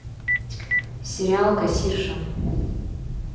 сериал кассирша